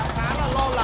lo lắng